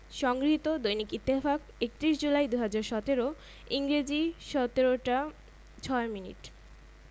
সমকালীন বিজ্ঞাপন সিঙ্গার ঈদ অফারে সবাই কাত ৩০০ ফ্রি ফ্রিজে বাজিমাত ঈদুল আজহাকে সামনে রেখে মাসব্যাপী ঈদ অফার চালু করতে যাচ্ছে সিঙ্গার